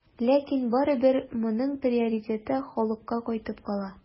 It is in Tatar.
Ләкин барыбер моның приоритеты халыкка кайтып кала.